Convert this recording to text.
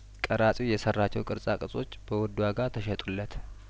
ቀራጺው የሰራቸው ቅርጻ ቅርጾች በውድ ዋጋ ተሸጡለት